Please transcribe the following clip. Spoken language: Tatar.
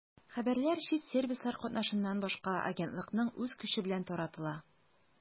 Хәбәрләр чит сервислар катнашыннан башка агентлыкның үз көче белән таратыла.